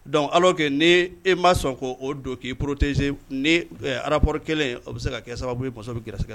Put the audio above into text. Donc alors que ni i ma sɔn k'o don k'i protéger ni ɛ rapport 1 o bɛ se ka kɛ sababu ye muso bi gɛrɛsigɛ